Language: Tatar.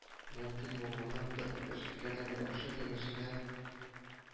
Мөмкин булмаган бер эш икәнен яхшы төнешенә